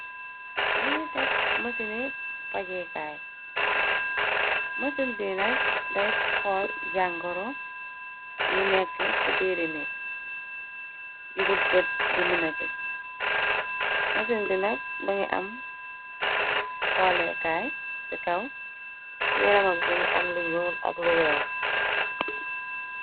Ngu ngi tekk masini fajekaay mësin bi nak day xool jàngoro yi nekk ci bieri nit yu dut bë di mëna gis mësin bi nak ba ngi am xoolekaay ci kaw ci yarama bis ba ngi am lu ñuul ak lu weex.